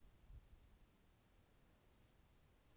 ну ну плохая